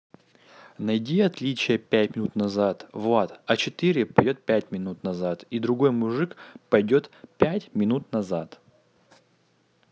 найди отличия пять минут назад влад а четыре поет пять минут назад и другой мужик пойдет пять минут назад